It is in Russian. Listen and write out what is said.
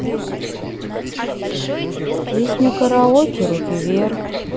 песня караоке руки вверх